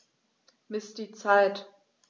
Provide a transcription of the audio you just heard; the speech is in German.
Miss die Zeit.